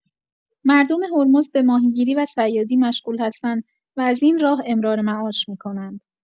مردم هرمز به ماهیگیری و صیادی مشغول هستند و از این راه امرارمعاش می‌کنند.